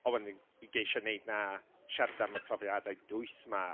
Ond wedyn i geisio wneud 'na, siarad am y profiadau dwys 'ma...